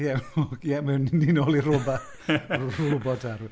Ie, ie mae'n mynd â ni nôl i'r robot. Robot Arwyn.